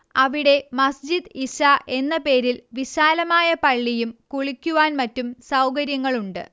അവിടെ മസ്ജിദ് ഇശ എന്ന പേരിൽ വിശാലമായ പള്ളിയും കുളിക്കുവാൻ മറ്റു സൗകര്യങ്ങളുണ്ട്